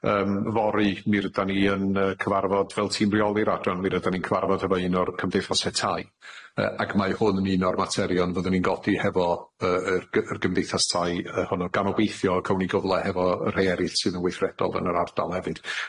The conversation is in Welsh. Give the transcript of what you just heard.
Yym fory mi rydan ni yn yy cyfarfod fel tîm reoli'r adran mi rydan ni'n cyfarfod hefo un o'r cymdeithase tai yy ac mae hwn yn un o'r materion fyddwn ni'n godi hefo yy yr gy- yr gymdeithas tai yy hwnnw gan obeithio cawn ni gyfle hefo y rhei eryll sydd yn weithredol yn yr ardal hefyd.